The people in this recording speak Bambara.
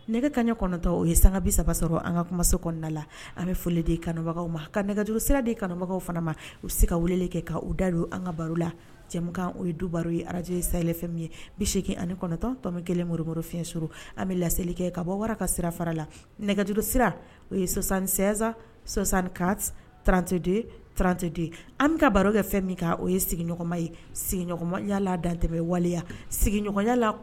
An ka baro la ye du ye araj sa ye misi se anitɔntɔn kelen mori fi sururu an bɛ lali kɛ ka bɔ wara ka sira fara la nɛgɛjuru sira o ye sɔsansan sɔsan ka trante tranteden an bɛ taa baro kɛ fɛn min o ye sigima ye sigiyala dantɛ waleya sigiya